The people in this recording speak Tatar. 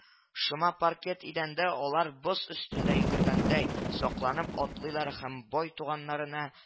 Шома паркет идәндә алар боз өстендә йөргәндәй сакланып атлыйлар һәм бай туганнарына